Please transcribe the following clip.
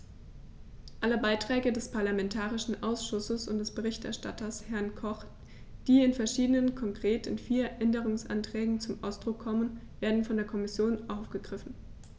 Alle Beiträge des parlamentarischen Ausschusses und des Berichterstatters, Herrn Koch, die in verschiedenen, konkret in vier, Änderungsanträgen zum Ausdruck kommen, werden von der Kommission aufgegriffen.